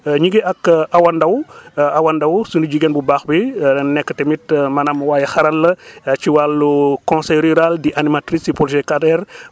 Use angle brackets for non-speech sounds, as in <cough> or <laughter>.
<hesitation> ñu ngi ak <hesitation> Awa Ndao <breath> Awa Ndao sunu jigéen bu baax bi nekk tamit maanaam waay xarala ci wàllu <hesitation> conseil rural di animatrice si projet 4R <breath>